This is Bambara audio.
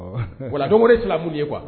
Kodenwko filamu ye kuwa